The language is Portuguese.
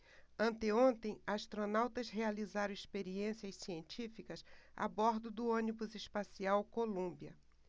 anteontem astronautas realizaram experiências científicas a bordo do ônibus espacial columbia